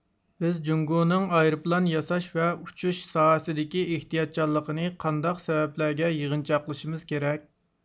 بىز جوڭگونىڭ ئايروپىلان ياساش ۋە ئۇچۇش ساھەسىدىكى ئېھتىياتچانلىقىنى قانداق سەۋەبلەرگە يىغىنچاقلىشىمىز كېرەك